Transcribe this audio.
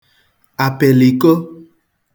àpị̀lị̀ko